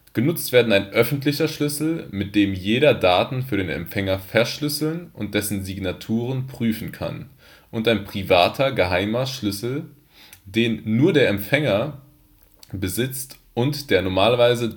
Genutzt werden ein öffentlicher Schlüssel, mit dem jeder Daten für den Empfänger verschlüsseln und dessen Signaturen prüfen kann, und ein privater geheimer Schlüssel, den nur der Empfänger besitzt und der normalerweise